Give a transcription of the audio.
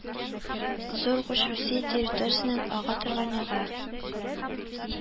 Зур Гуж Русия территориясеннән ага торган елга